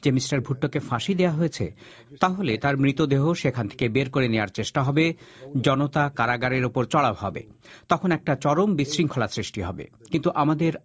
যে মিস্টার ভুট্টোকে ফাঁসি দেয়া হয়েছে তাহলে তার মৃতদেহ সেখান থেকে বের করে নেয়ার চেষ্টা হবে জনতা কারাগারের ওপর চড়াও হবে তখন একটা চরম বিশৃঙ্খলা সৃষ্টি হবে কিন্তু আমাদের